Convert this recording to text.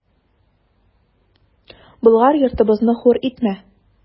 Болгар йортыбызны хур итмә!